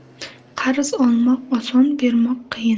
qarz olmoq oson bermoq qiyin